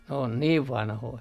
ne on niin vanhoja